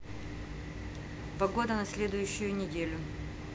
погода на следующую неделю